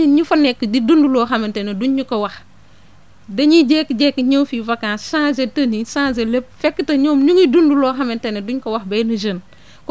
koo xamante ne duñ ñu ko wax dañuy jékki-jékki ñëw fi vacance changé tenue changé lépp fekk te ñoom ñu ngi dund loo xamante ne duñ ko wax benn jeune